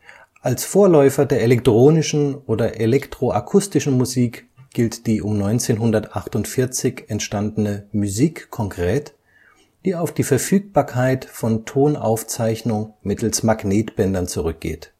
Als Vorläufer der elektronischen oder elektroakustischen Musik gilt die um 1948 entstandene Musique concrète, die auf die Verfügbarkeit von Tonaufzeichnung mittels Magnetbändern zurückgeht